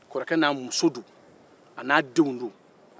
kɔrɔkɛ n'a muso n'a denw don